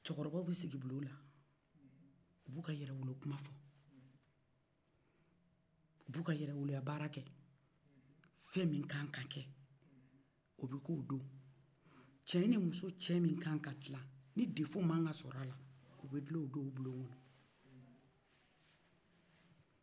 cɛkɔrɔbaw bɛ sigi bulonw kɔnɔ o b'u ka yɛrɛwolo kuman fɔ u b'u ka yɛrɛwolo bara kɛ fɛmi kakan ka kɛ o bɛ kɛ odo fɛmi kakan ka kɛ cɛ ni muso cɛ mi ka kan ka kilan ni de fo makan ka sɔrɔ la o bɛ kilan o do o bulon kɔnɔ